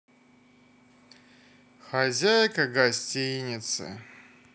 хозяйка гостинницы